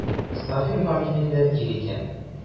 Сафин фамилияле ир икән.